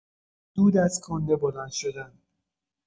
دود از کنده بلند شدن